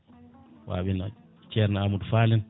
waaɓe no ceerno Amadou Fall en